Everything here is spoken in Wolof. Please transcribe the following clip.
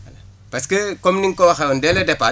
parce que comme ni nga ko waxee woon dès le départ